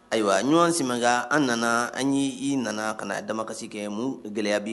Ayiwa ɲɔgɔn si kan an nana an y' i nana ka na a dama kasi kɛ mu gɛlɛya bi